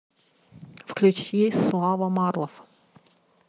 включи слава марлов